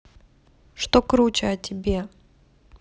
что круче о тебе